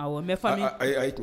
Aw n ne fa ayi ayi ye to